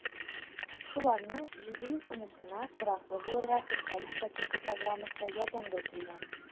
Шуларның 710-сына тораклы булырга социаль ипотека программасы ярдәмгә килгән.